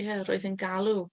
Ie, roedd e'n galw.